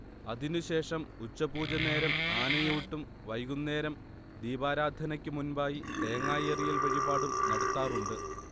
അതിനുശേഷം ഉച്ചപൂജനേരം ആനയൂട്ടും വൈകുന്നേരം ദീപാരാധനക്കുമുൻപായി തേങ്ങായെറിയൽ വഴിപാടും നടത്താറുണ്ട്